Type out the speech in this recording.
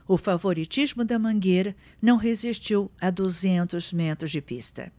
o favoritismo da mangueira não resistiu a duzentos metros de pista